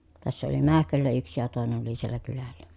tässä oli Mähköllä yksi ja toinen oli siellä kylällä